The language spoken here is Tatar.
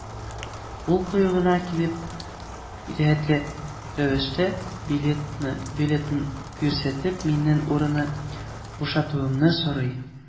Ул кыю гына килеп, итәгатьле рәвештә билетын күрсәтеп, миннән урынны бушатуымны сорый.